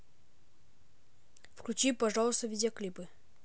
включи пожалуйста видеоклипы